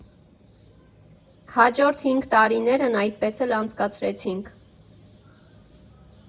Հաջորդ հինգ տարիներն այդպես էլ անցկացրեցինք։